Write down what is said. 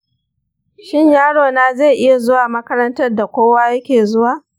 shin yarona zai iya zuwa makarantar da kowa yake zuwa?